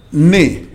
N nee